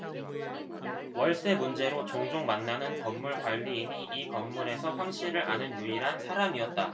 월세 문제로 종종 만나는 건물 관리인이 이 건물에서 황씨를 아는 유일한 사람이었다